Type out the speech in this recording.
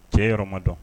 Cɛ yɔrɔ ma dɔn